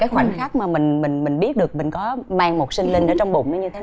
cái khoảnh khắc mà mình mình mình biết được mình có mang một sinh linh ở trong bụng nó như thế